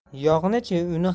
yog'ni chi uni